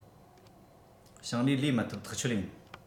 ཞིང ལས ལས མི ཐུབ ཐག ཆོད ཡིན